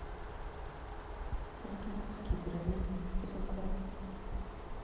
египетские пирамиды закат